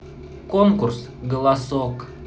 конкурс голосок